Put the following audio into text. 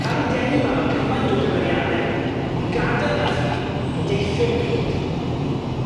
Ca'l 'u deni 'ma ma' cymaint o gymeriade ond gad'el nath hi i deithio'r byd.